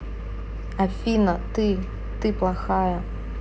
афина ты ты плохая